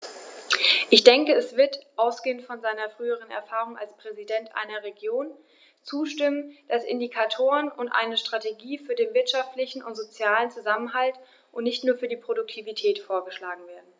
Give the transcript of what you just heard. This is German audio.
Ich denke, er wird, ausgehend von seiner früheren Erfahrung als Präsident einer Region, zustimmen, dass Indikatoren und eine Strategie für den wirtschaftlichen und sozialen Zusammenhalt und nicht nur für die Produktivität vorgeschlagen werden.